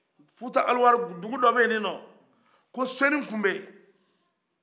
futa aliwari dugu dɔ bɛ ye ninɔ ko soningube